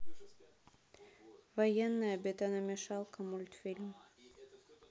военная бетономешалка мультфильм